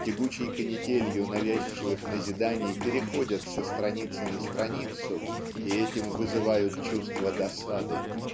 тягучей канителью навязчивых назиданий переходят со страницы на страницу и этим вызывают чувство досады.